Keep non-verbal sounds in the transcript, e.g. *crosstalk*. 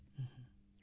*hesitation* *hesitation*